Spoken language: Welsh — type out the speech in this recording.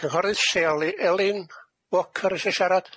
Cynghorydd lleol Se- Eli- Elin Walker isio siarad?